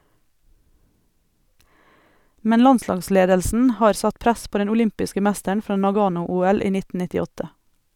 Men landslagsledelsen har satt press på den olympiske mesteren fra Nagano-OL i 1998.